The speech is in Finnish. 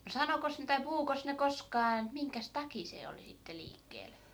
no sanoikos ne tai puhuikos ne koskaan että minkäs takia se oli sitten liikkeellä